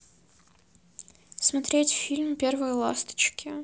смотреть фильм первые ласточки